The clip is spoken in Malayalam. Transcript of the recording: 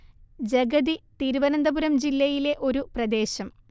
ജഗതി തിരുവനന്തപുരം ജില്ലയിലെ ഒരു പ്രദേശം